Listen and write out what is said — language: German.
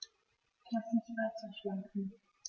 Lass mich weiterschlafen.